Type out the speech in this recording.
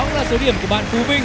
số điểm của bạn tú vinh